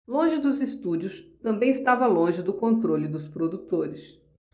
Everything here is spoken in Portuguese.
longe dos estúdios também estava longe do controle dos produtores